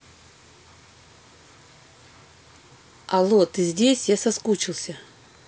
алло ты здесь я соскучился